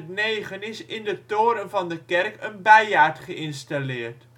2009 is in de toren van de kerk een beiaard geïnstalleerd